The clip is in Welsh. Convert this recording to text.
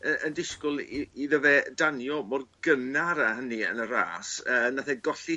yy yn disgwl i- iddo fe danio mor gynnar â hynny yn y ras yy nath e golli